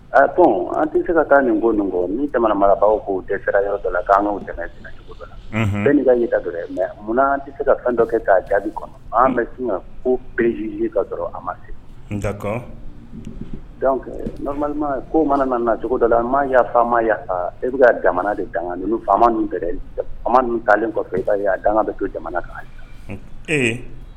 Ko an tɛ se ka taa nin ko kɔrɔ ni jamana marabagaw k'o yɔrɔ dɔ la k'an ka tɛmɛ cogo dɔ la bɛɛ ni ka ɲɛ sɔrɔ mɛ munna an tɛ se ka fɛn dɔ kɛ k'a jaabi kɔnɔ an bɛfin ka ko pe ka sɔrɔ a ma se dɔnku ko mana nana cogo dɔ la an ma y'a e bɛ jamana de dan kan ninnu faama ninnu bɛ an ma taalen kɔ fɛ e ta a dan bɛ to jamana kan na